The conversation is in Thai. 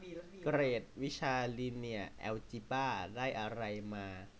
เกรดวิชาลิเนียร์แอลจิบ้าได้อะไรมา